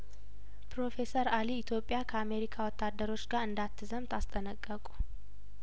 ፕሮፌሰር አሊ ኢትዮጵያ ከአሜሪካ ወታደሮች ጋር እንዳት ዘምት አስጠነቀቁ